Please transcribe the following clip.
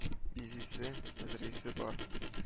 Бизисе, әзерлисе бар